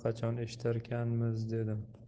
qachon eshitarkinmiz dedim